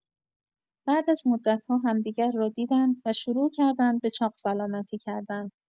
بعد از مدت‌ها همدیگر را دیدند و شروع کردند به چاق‌سلامتی کردن.